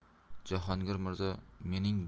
jahongir mirzo mening bu gaplarimni